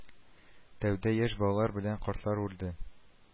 Тәүдә яшь балалар белән картлар үлде